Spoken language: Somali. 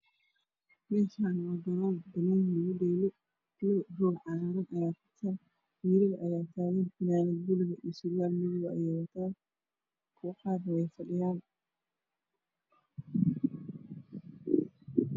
Meeshaan waa garoon banooni lugu dheelo roog cagaaran ayaa fidsan wiilal ayaa taagan fanaanad buluug ah iyo surwaal buluug ah ayay wataan qaarna way fadhiyaan.